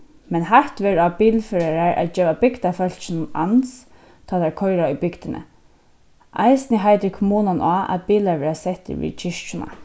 men heitt verður á bilførarar at geva bygdarfólkinum ans tá teir koyra í bygdini eisini heitir kommunan á at bilar verða settir við kirkjuna